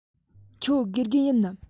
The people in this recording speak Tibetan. ཁྱོད དགེ རྒན ཡིན ནམ